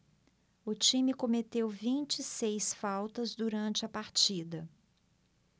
o time cometeu vinte e seis faltas durante a partida